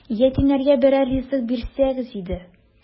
Ятимнәргә берәр ризык бирсәгез иде! ..